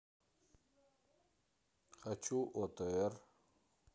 хочу отр